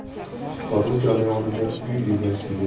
qutqaruv jarayonida uy